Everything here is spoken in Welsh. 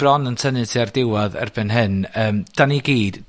bron yn tynnu tua'r diwadd erbyn hyn, yym, 'dan ni gyd,